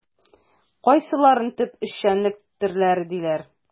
Кайсыларын төп эшчәнлек төрләре диләр?